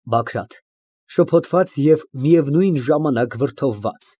ԲԱԳՐԱՏ ֊ Շփոթված և միևնույն ժամանակ վրդովված։